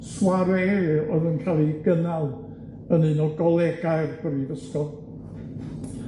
Soirée o'dd yn ca'l 'i gynnal yn un o golegau'r Brifysgol.